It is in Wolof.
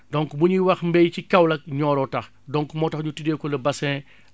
donc bu ñuy wax mbay ci Kaolack Nioro a tax donc moo tax ñu tuddee ko le bassin